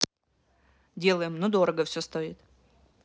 делаем но дорого все стоит